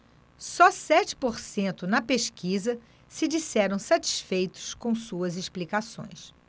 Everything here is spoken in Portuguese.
só sete por cento na pesquisa se disseram satisfeitos com suas explicações